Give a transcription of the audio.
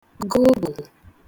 gụgụ̀